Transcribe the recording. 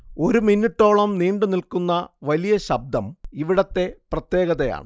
ഒരു മിനുട്ടോളം നീണ്ടുനിൽക്കുന്ന വലിയ ശബ്ദം ഇവിടത്തെ പ്രത്യേകതയാണ്